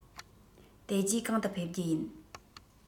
དེ རྗེས གང དུ ཕེབས རྒྱུ ཡིན